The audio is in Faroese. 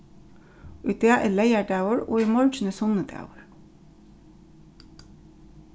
í dag er leygardagur og í morgin er sunnudagur